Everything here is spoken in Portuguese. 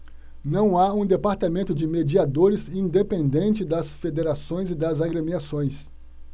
não há um departamento de mediadores independente das federações e das agremiações